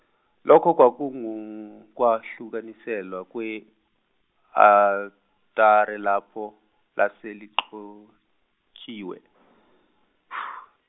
lokho kwakungukwahlukaniselwa kwe altare lapho, lase ligcotshiwe .